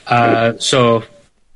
Yy so.